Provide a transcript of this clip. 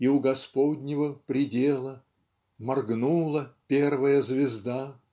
И у Господнего предела Моргнула первая звезда.